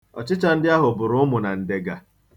Ọchịcha ndị ahu bụrụ ụmụ na ndega.